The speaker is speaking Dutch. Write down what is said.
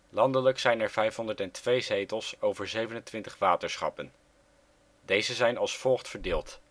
Landelijk zijn er 502 zetels over 27 waterschappen. Deze zijn als volgt verdeeld